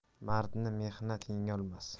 mardni mehnat yengolmas